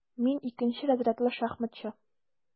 Мин - икенче разрядлы шахматчы.